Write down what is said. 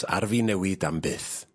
...ar fin newid am byth.